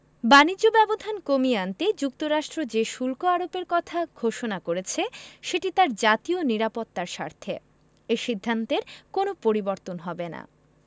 বাণিজ্য ব্যবধান কমিয়ে আনতে যুক্তরাষ্ট্র যে শুল্ক আরোপের কথা ঘোষণা করেছে সেটি তার জাতীয় নিরাপত্তার স্বার্থে এ সিদ্ধান্তের কোনো পরিবর্তন হবে না